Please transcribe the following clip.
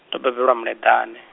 ndo bebelwa Muleḓane.